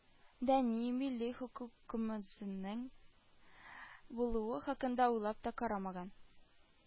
Дәни, милли хокукымызның булуы хакында уйлап та карамаган